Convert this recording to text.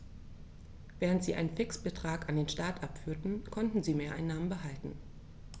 Während sie einen Fixbetrag an den Staat abführten, konnten sie Mehreinnahmen behalten.